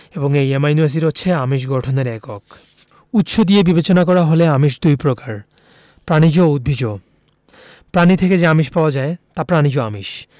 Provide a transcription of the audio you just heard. এবং এই amino acid হচ্ছে আমিষ গঠনের একক উৎস দিয়ে বিবেচনা করা হলে আমিষ দুই প্রকার প্রাণিজ ও উদ্ভিজ্জ প্রাণী থেকে যে আমিষ পাওয়া যায় তা প্রাণিজ আমিষ